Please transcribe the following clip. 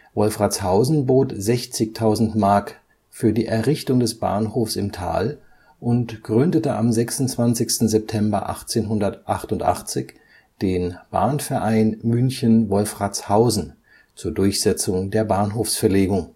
Wolfratshausen bot 60.000 Mark für die Errichtung des Bahnhofs im Tal und gründete am 26. September 1888 den Bahnverein München – Wolfratshausen zur Durchsetzung der Bahnhofsverlegung